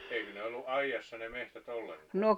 eikö ne ollut aidassa ne metsät ollenkaan